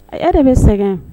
A' de bɛ sɛgɛn